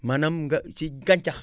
maanaam nga ci gàncax